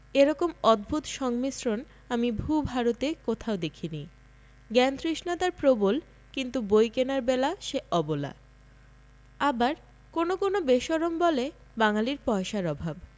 এরকম অদ্ভুত সংমিশ্রণ আমি ভূ ভারতে কোথাও দেখি নি জ্ঞানতৃষ্ণা তার প্রবল কিন্তু বই কেনার বেলা সে অবলা আবার কোনো কোনো বেশরম বলে বাঙালীর পয়সার অভাব